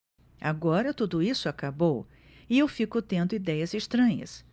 agora tudo isso acabou e eu fico tendo idéias estranhas